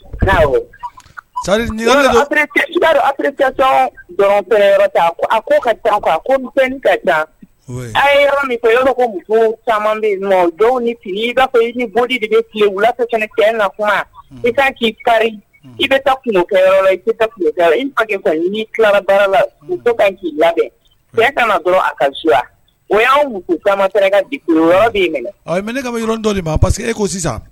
Kɛta a ko ka taafa ko ka taa a ye yɔrɔ min kɛ yɔrɔ ko ko caman min nɔn don ni tile b baa fɔ i ni bɔdi de bɛ tile wula tɛ kɛnɛ cɛ na kuma i ka k ki kari i bɛ kunkɛ i i tilarabara la i bɛ ka labɛn cɛ kana na dɔrɔn a ka yaa o y'an mu caman fɛ ka yɔrɔ bɛ minɛ a minɛ ka yɔrɔ dɔ ma parceseke ko sisan